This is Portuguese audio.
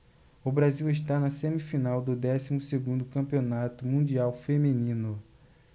o brasil está na semifinal do décimo segundo campeonato mundial feminino